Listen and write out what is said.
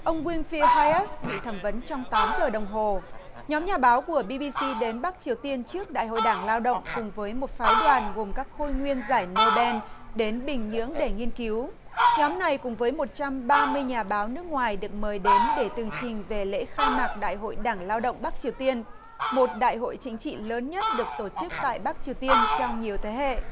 ông guyn phia hai ết bị thẩm vấn trong tám giờ đồng hồ nhóm nhà báo của bi bi si đến bắc triều tiên trước đại hội đảng lao động cùng với một phái đoàn gồm các khôi nguyên giải nô ben đến bình nhưỡng để nghiên cứu nhóm này cùng với một trăm ba mươi nhà báo nước ngoài được mời đến để tường trình về lễ khai mạc đại hội đảng lao động bắc triều tiên một đại hội chính trị lớn nhất được tổ chức tại bắc triều tiên trong nhiều thế hệ